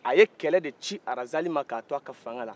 a ye kɛlɛ de ci razali man k'a to a ka fanga la